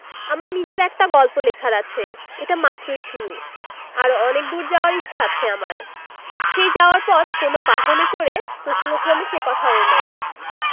আমার নিজের একটা গল্প লেখার আছে এটা মাত্রই শুরু আরও অনেক দূর যাওয়ার ইচ্ছা আছে আমার সেই যাওয়ার পথ কোন বাহনে চড়ে প্রসঙ্গক্রমে সে কথাও এল